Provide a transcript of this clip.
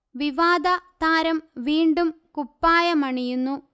വിവാദ താരം വീണ്ടും കുപ്പായമണിയുന്നു